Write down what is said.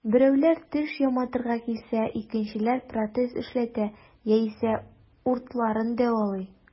Берәүләр теш яматырга килсә, икенчеләр протез эшләтә яисә уртларын дәвалый.